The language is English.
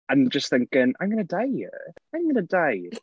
And just thinking "I'm going to die here, I'm going to die".